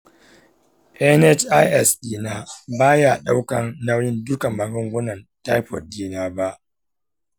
nhis dina ba ya daukan nauyin dukkan magungunan taifoid ɗina ba.